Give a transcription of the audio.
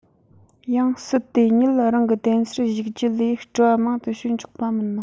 ཡང སྲིད དེ ཉིད རང གི གདན སར བཞུགས རྒྱུ ལས སྤྲུལ བ མང དུ བྱོན ཆོག པ མིན ནོ